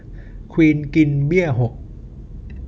ควีนกินเบี้ยหก